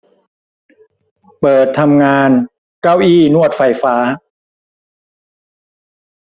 เปิดทำงานเก้าอี้นวดไฟฟ้า